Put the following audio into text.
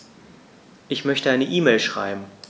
Ich möchte eine E-Mail schreiben.